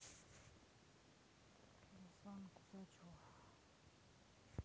руслан кусачев